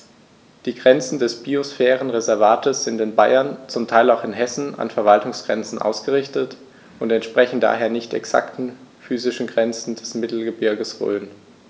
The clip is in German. Die Grenzen des Biosphärenreservates sind in Bayern, zum Teil auch in Hessen, an Verwaltungsgrenzen ausgerichtet und entsprechen daher nicht exakten physischen Grenzen des Mittelgebirges Rhön.